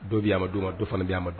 Dɔw bɛ a amadu don ma dɔ fana bɛ' a amadu